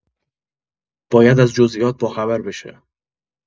باید از جزئیات باخبر بشه!